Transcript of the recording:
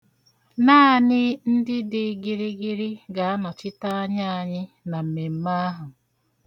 Naanị ndị dị gịrịgịrị ga-anọchite anya anyị na mmemme ahụ.